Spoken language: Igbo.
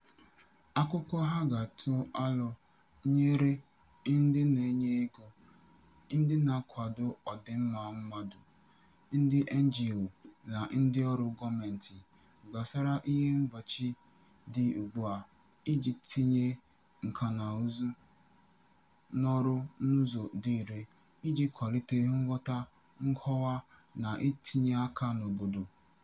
Akụkọ a ga-atụ alo nyere ndị na-enye ego, ndị na-akwado ọdịmma mmadụ, ndị NGO, na ndịọrụ gọọmentị gbasara ihe mgbochi dị ugbua iji tinye nkànaụzụ n'ọrụ n'ụzọ dị irè iji kwalite nghọta, nkọwa, na itinye aka n'obodo.